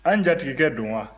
an jatigikɛ don wa